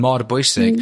mor bwysig.